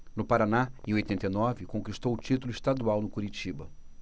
no paraná em oitenta e nove conquistou o título estadual no curitiba